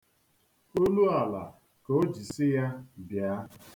Oluala ka o ji si ya, bịa!